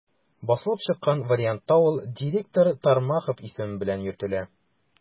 Басылып чыккан вариантта ул «директор Тарханов» исеме белән йөртелә.